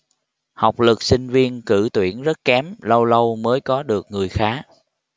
học lực sinh viên cử tuyển rất kém lâu lâu mới có được người khá